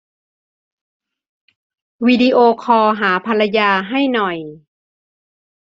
วิดีโอคอลหาภรรยาให้หน่อย